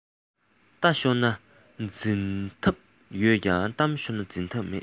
རྟ ཤོར ན འཛིན ཐབས ཡོད ཀྱང གཏམ ཤོར ན འཛིན ཐབས མེད